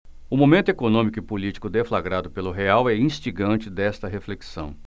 o momento econômico e político deflagrado pelo real é instigante desta reflexão